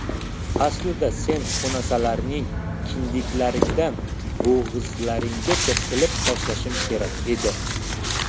aslida sen xunasalarning kindiklaringdan bo'g'izlaringgacha tilib tashlashim kerak edi